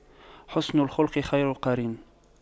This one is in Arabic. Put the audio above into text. حُسْنُ الخلق خير قرين